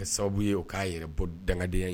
Kɛ sababu ye o k'a yɛrɛ bɔ dangadenya in